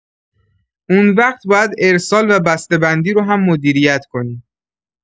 اون‌وقت باید ارسال و بسته‌بندی رو هم مدیریت کنیم.